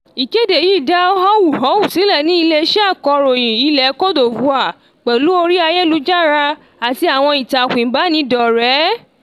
Ìkéde yìí dá họ́wùhọ́wù sílẹ̀ ní ilé-iṣẹ́ akọ̀ròyìn ilẹ̀ Cote d'Ivoire pẹ̀lú orí ayélujára àti àwọn ìtakùn ìbánidọ́rẹ̀ẹ́.